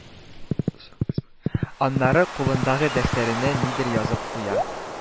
Аннары кулындагы дәфтәренә нидер язып куя